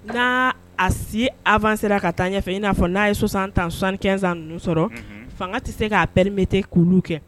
N'aa si ' avanccé la ka taa ɲɛfɛ in n'a fɔ n'a ye 60 ans , ye 75 ans sɔrɔ, fanga tɛ se k'a permettre k'olu kɛ.